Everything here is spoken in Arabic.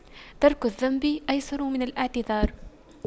ترك الذنب أيسر من الاعتذار